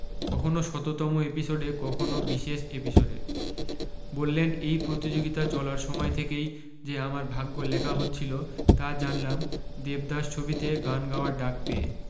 কখনো শততম এপিসোডে কখনো বিশেষ এপিসোডে বললেন এই প্রতিযোগীতা চলার সময় থেকেই যে আমার ভাগ্য লেখা হচ্ছিল তা জানলাম দেবদাস ছবিতে গান গাওয়ার ডাক পেয়ে